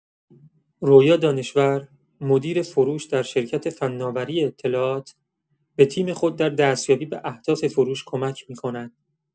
رویا دانشور، مدیر فروش در شرکت فناوری اطلاعات، به تیم خود در دستیابی به اهداف فروش کمک می‌کند.